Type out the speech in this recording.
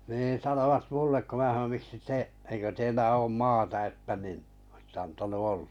niin sanoivat minulle kun minä sanoin miksi te eikö teillä ole maata että niin olisitte antanut olla